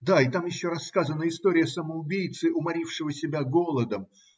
Да, там еще рассказана история самоубийцы, уморившего себя голодом.